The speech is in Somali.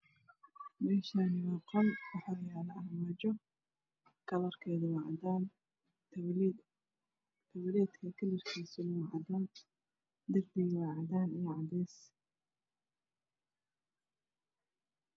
Meshani waa qol waxayalo armaajo kalarked waa cadan tawledka kalarkis waa cadan darbiga waa cadan io cades